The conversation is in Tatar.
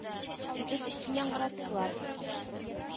Идел өстен яңгыраттылар.